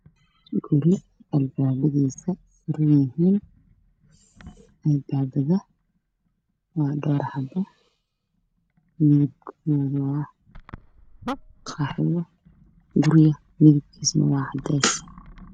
Waa guri midab kiisu waa cadeys